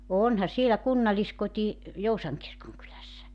onhan siellä kunnalliskoti Joutsan kirkonkylässä